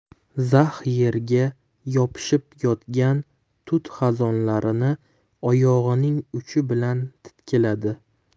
zax yerga yopishib yotgan tut xazonlarini oyog'ining uchi bilan titkiladi